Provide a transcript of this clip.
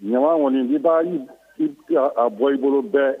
Ɲama kɔniɔni b b'a a bɔ i bolo bɛɛ